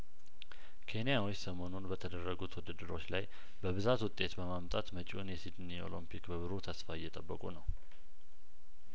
ኬንያዎች ሰሞኑን በተደረጉት ውድድሮች ላይ በብዛት ውጤት በማምጣት መጪውን የሲድኒ ኦሎምፒክ በብሩህ ተስፋ እየጠበቁ ነው